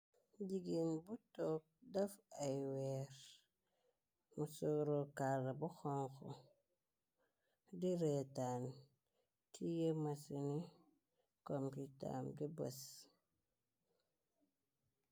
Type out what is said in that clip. Jigéen bu took daf ay weer , mu soro kara bu xonxo di reetaan, ci yemasuni kompitam bu bes.